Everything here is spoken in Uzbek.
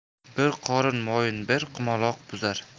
bir qorin moyni bir qumaloq buzar